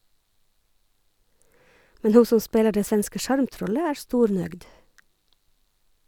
Men ho som spelar det svenske sjarmtrollet er stornøgd.